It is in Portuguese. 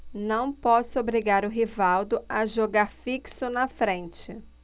não posso obrigar o rivaldo a jogar fixo na frente